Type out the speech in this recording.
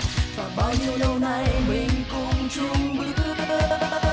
và bao nhiêu lâu nay mình cùng chung bước